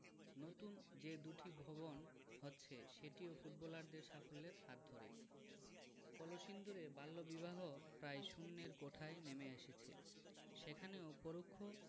নতুন যে দুটি ভবন হচ্ছে সেটিও ফুটবলারদের সাফল্যের হাত ধরেই কলসিন্দুরে বাল্যবিবাহ প্রায় শূন্যের কোঠায় নেমে এসেছে সেখানেও পরোক্ষ